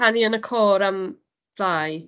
Canu yn y côr am ddau.